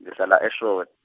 ngihlala eShowe .